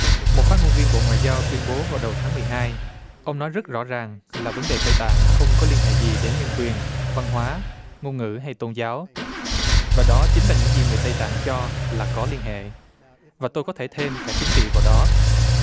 một phát ngôn viên bộ ngoại giao tuyên bố vào đầu tháng mười hai ông nói rất rõ ràng là vấn đề tây tạng không có liên hệ gì đến nhân quyền văn hóa ngôn ngữ hay tôn giáo và đó chính là những gì người tây tạng cho là có liên hệ và tôi có thể thêm cả chính trị vào đó